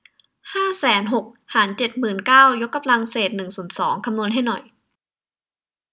ห้าแสนหกหารเจ็ดหมื่นเก้ายกกำลังเศษหนึ่งส่วนสองคำนวณให้หน่อย